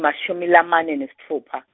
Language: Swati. mashumi lamane nesitfupha.